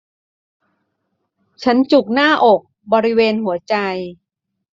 ฉันจุกหน้าอกบริเวณหัวใจ